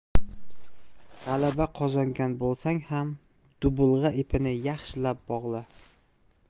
g'alaba qozongan bo'lsang ham dubulg'a ipini yaxshilab bog'la